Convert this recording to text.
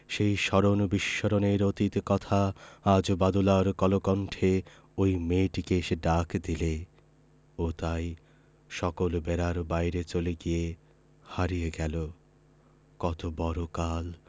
সেই স্মরণ বিস্মরণের অতীত কথা আজ বাদলার কলকণ্ঠে ঐ মেয়েটিকে এসে ডাক দিলে ও তাই সকল বেড়ার বাইরে চলে গিয়ে হারিয়ে গেল কত বড় কাল